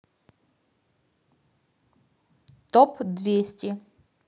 топ двести